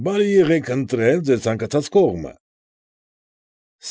Բարի եղեք ընտրել ձեր ցանկացած կողմը։